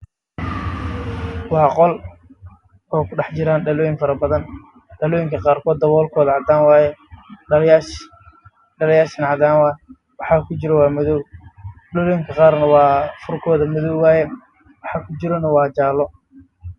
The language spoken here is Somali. Waa qol ay ku dhaxjiraan dhalooyin badan